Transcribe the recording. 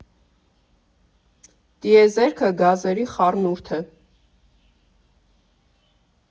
Տիեզերքը գազերի խառնուրդ է։